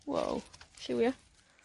Wow, lliwia.